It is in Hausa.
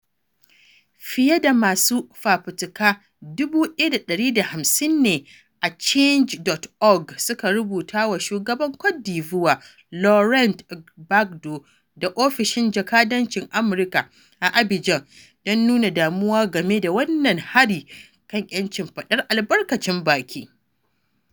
Fiye da masu fafutuka 1,150 ne a Change.org suka rubuta wa Shugaban Côte d'Ivoire Laurent Gbagbo da Ofishin Jakadancin Amurka a Abidjan don nuna damuwa game da wannan hari kan ‘yancin faɗar albarkacin baki.